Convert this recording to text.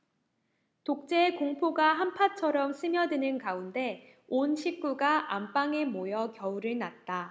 독재의 공포가 한파처럼 스며드는 가운데 온 식구가 안방에 모여 겨울을 났다